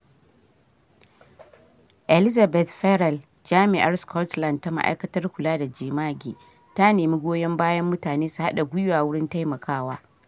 Elisabeth Ferrel, Jami’ar Scotland ta Ma’aikatar Kula da Jemage, ta nemi goyon bayan mutane su hada gwiwa wurin taimakawa.